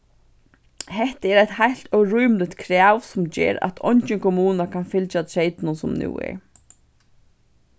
hetta er eitt heilt órímiligt krav sum ger at eingin kommuna kann fylgja treytunum sum nú er